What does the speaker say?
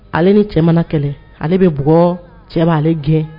Ale ni cɛman mana kɛlɛ ale bɛ bɔ cɛba ale gɛn